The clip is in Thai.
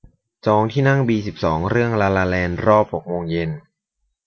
จองที่นั่งบีสิบสองเรื่องลาลาแลนด์รอบหกโมงเย็น